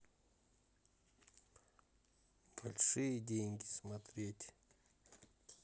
большие деньги смотреть